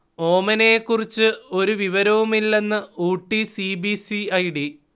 ഓമനയെ കുറിച്ച് ഒരു വിവരവുമില്ലെന്ന് Ooty C. B. C. I. D